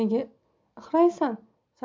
nega ixraysan